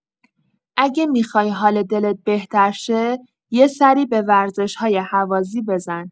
اگه میخوای حال دلت بهتر شه، یه سری به ورزش‌های هوازی بزن.